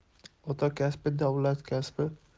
ota kasbi davlat kasbi